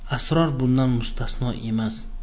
sror bundan mustasno emas